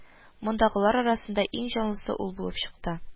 Мондагылар арасында иң җанлысы булып чыкты